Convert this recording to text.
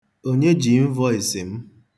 Onye ji ịnvọịsị m?